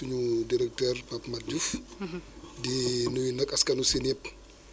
dégg nga te dara waralu ko lu dul tàngaay bu bëri dégg nga